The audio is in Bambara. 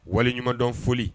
Waleɲumanumadɔn foli